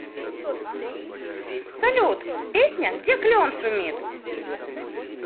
салют песня где клен шумит